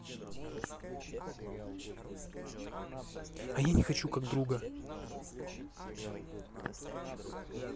а я не хочу как друга